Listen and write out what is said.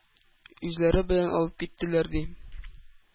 Үзләре белән алып киттеләр, ди,